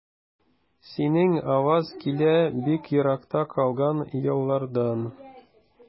Синең аваз килә бик еракта калган еллардан.